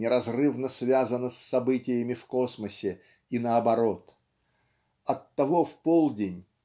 неразрывно связано с событиями в космосе и наоборот. Оттого в полдень